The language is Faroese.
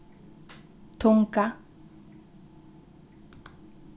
tunga